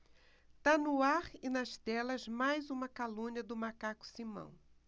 tá no ar e nas telas mais uma calúnia do macaco simão